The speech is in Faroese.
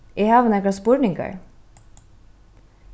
eg havi nakrar spurningar